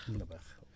dina baax